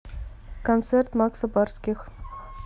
концерт макса барских